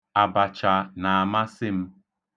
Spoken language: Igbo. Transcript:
Abacha na-amasị m.